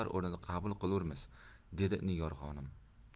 o'rnida qabul qilurmiz dedi nigor xonim